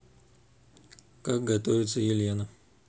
как готовиться елена